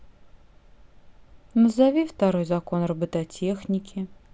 назови второй закон робототехники